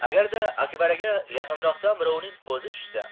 agarda akbaraga yaqinroqdan birovning ko'zi tushsa